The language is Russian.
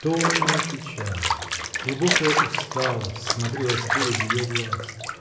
Томная печаль, глубокая усталость смотрела теперь из ее глаз.